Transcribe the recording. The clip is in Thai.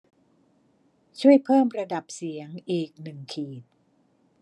ช่วยเพิ่มระดับเสียงอีกหนึ่งขีด